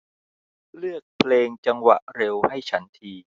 เลือกเพลงจังหวะเร็วให้ฉันที